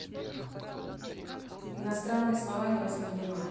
иностранные слова не воспринимает